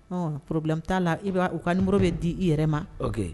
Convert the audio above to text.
Porobi t'a la i' u kaoro bɛ di i yɛrɛ ma